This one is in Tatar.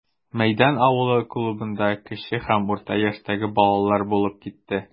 Мәйдан авылы клубында кече һәм урта яшьтәге балалар булып китте.